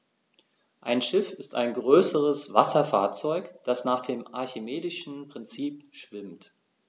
Ein Schiff ist ein größeres Wasserfahrzeug, das nach dem archimedischen Prinzip schwimmt.